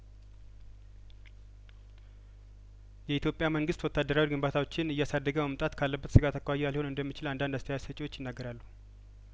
የኢትዮጵያ መንግስት ወታደራዊ ግንባታዎችን እያሳደገ መምጣት ካለበት ስጋት አኳያ ሊሆን እንደሚችል አንዳንድ አስተያየት ሰጭ ቺዎች ይናገራሉ